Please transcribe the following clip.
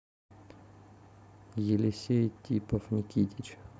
елисей типов никитич